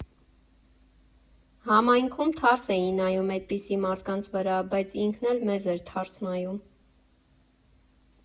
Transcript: Համայնքում թարս էին նայում էդպիսի մարդկանց վրա, բայց ինքն էլ մեզ էր թարս նայում։